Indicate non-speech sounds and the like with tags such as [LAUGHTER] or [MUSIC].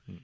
[HESITATION] [HESITATION]